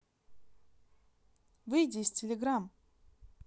выйди из телеграмм